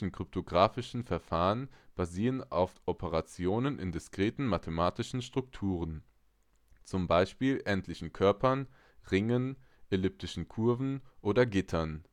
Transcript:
kryptographischen Verfahren basieren auf Operationen in diskreten mathematischen Strukturen, wie z. B. endlichen Körpern, Ringen, elliptischen Kurven oder Gittern